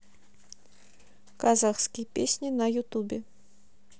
казахские песни на ютюбе